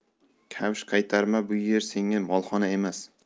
kavsh qaytarma bu yer senga molxona emas